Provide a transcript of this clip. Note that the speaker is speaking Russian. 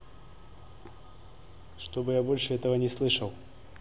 чтобы я больше этого не слышал